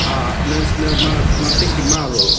A mae o'n s... mae'r mae'r mae'r thing 'di marw.